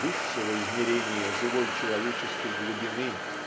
высшего измерения живой человеческой глубины.